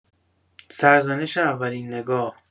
سرزنش اولین نگاه